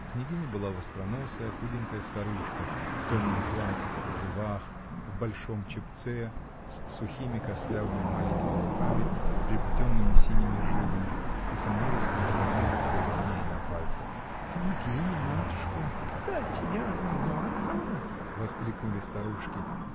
Княгиня была востроносая, худенькая старушка, в темном платье, в кружевах, в большом чепце, с сухими, костлявыми, маленькими руками, переплетенными синими жилами, и со множеством старинных перстней на пальцах. — Княгиня-матушка!. — Татьяна Марковна!. — воскликнули старушки.